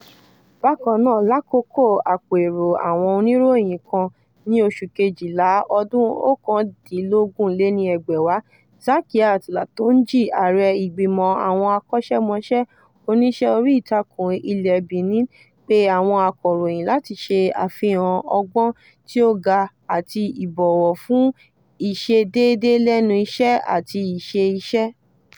Bákan náà, lákòókò àpérò àwọn oníròyìn kan ní oṣù Kejìlá ọdún 2019, Zakiath Latondji, Ààrẹ ìgbìmọ̀ àwọn akọ́ṣẹ́mọṣẹ́ oníṣẹ́ orí ìtàkùn ilẹ̀ Benin, pe àwọn akọ̀ròyìn láti ṣe àfihàn ọgbọ́n tí ó ga àti ìbọwọ́ fún ìṣe déédé lẹ́nu iṣẹ́ àti ìṣe iṣẹ́.